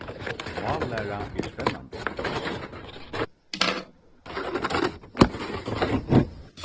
mállæra er spennandi